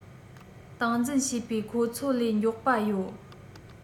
སྟངས འཛིན བྱེད པའི ཁོ ཚོ ལས མགྱོགས པ ཡོད